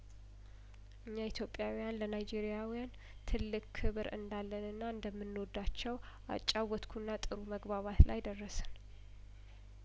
እኛ ኢትዮጵያዊያን ለናይጄሪያዊያን ትልቅ ክብር እንዳለንና እንደምንወዳቸው አጫወትኩና ጥሩ መግባባት ላይ ደርሰን